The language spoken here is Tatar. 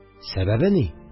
Сәбәбе ни